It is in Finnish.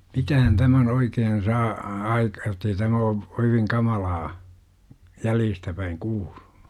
mitähän tämän oikein saa -- jotta ei tämä ole oikein kamalaa jäljestä päin kuulunut